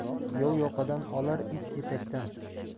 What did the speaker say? yov yoqadan olar it etakdan